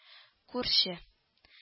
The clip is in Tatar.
Күрче